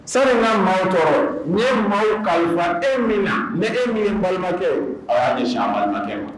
Seri ka maa tɔɔrɔ nin ye maa kalifafa e min na ni e min ye balimakɛ o a y'a ye si balimakɛ ye